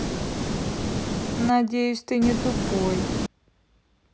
надеюсь ты не тупой